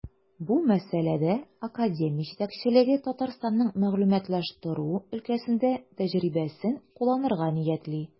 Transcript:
Бу мәсьәләдә академия җитәкчелеге Татарстанның мәгълүматлаштыру өлкәсендә тәҗрибәсен кулланырга ниятли.